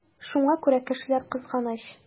Шуңа күрә кешеләр кызганыч.